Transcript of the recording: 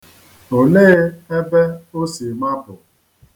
Olee ebe o si mapụ?